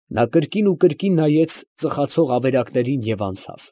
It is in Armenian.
Նա կրկին և կրկին նայեց ծխացող ավերակներին և անցավ։